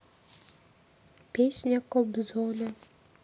песня кобзона